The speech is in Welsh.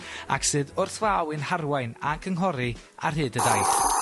ac sydd wrth law i'n harwain a cynghori ar hyd y daith.